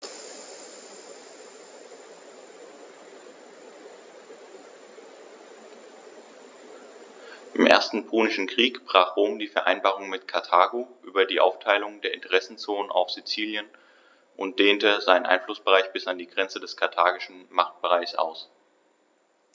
Im Ersten Punischen Krieg brach Rom die Vereinbarung mit Karthago über die Aufteilung der Interessenzonen auf Sizilien und dehnte seinen Einflussbereich bis an die Grenze des karthagischen Machtbereichs aus.